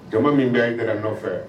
Jama min bɛ i da nɔfɛ